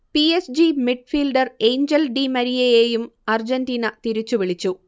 P. S. G midfielder Angel Di മരിയയെയും Argentina തിരിച്ചുവിളിച്ചു